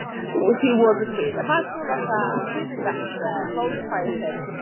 Oo, she was a queen. Imajinio fatha, dwi'n mynd gatre, rownd y firepit.